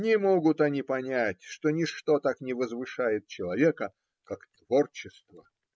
Не могут они понять, что ничто так не возвышает человека, как творчество.